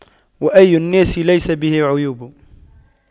وأي الناس ليس به عيوب